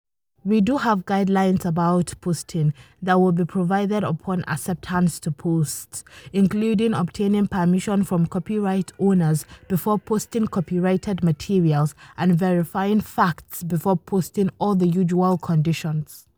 We do have guidelines about posting that will be provided upon acceptance to post, including obtaining permission from copyright owners before posting copyrighted materials, and verifying facts before posting–all the usual conditions.